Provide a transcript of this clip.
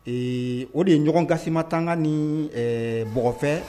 Ee o de ye ɲɔgɔn gasi ma tanga ni bɔgɔfɛ